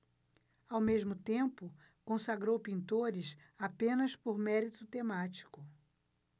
ao mesmo tempo consagrou pintores apenas por mérito temático